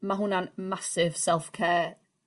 ma' hwnna'n *massive self care